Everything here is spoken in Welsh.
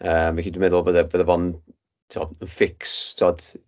Yym felly dwi'n meddwl byddai byddai fo'n fix timod.